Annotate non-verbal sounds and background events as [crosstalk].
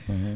[hesitation] [hesitation]